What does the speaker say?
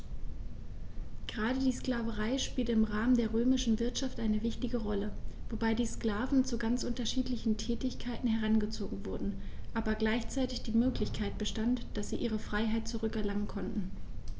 Gerade die Sklaverei spielte im Rahmen der römischen Wirtschaft eine wichtige Rolle, wobei die Sklaven zu ganz unterschiedlichen Tätigkeiten herangezogen wurden, aber gleichzeitig die Möglichkeit bestand, dass sie ihre Freiheit zurück erlangen konnten.